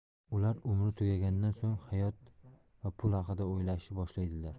ular umri tugagandan so'ng hayot va pul haqida o'ylashni boshlaydilar